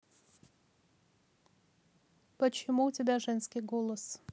почему у тебя женский голос